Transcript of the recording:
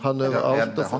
han er overalt.